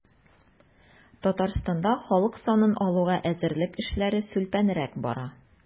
Татарстанда халык санын алуга әзерлек эшләре сүлпәнрәк бара.